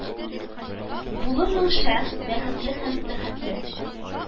Булырмын шаһ, бәхетле һәм тәхетле